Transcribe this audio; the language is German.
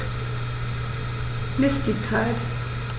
Miss die Zeit.